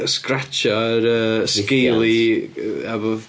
Sgratsio yr yy scaly a bod...